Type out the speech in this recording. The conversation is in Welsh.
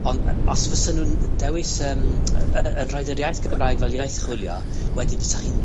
Ond os fysen nw'n dewis yym, y- y- yn rhoid yr iaith Gymraeg fel iaith chwilio, wedyn fysa chi'n,